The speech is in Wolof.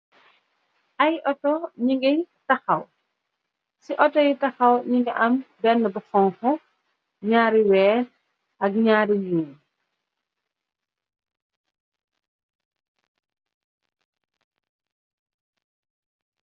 Ay Otto ñi ngi taxaw, ci Otto yi taxaw ñi ngi am benna bu xonxu, ñaar yu wèèx ak ñaar yu ñuul.